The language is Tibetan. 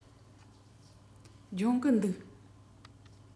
སྦྱོང གི འདུག